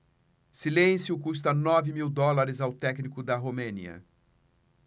silêncio custa nove mil dólares ao técnico da romênia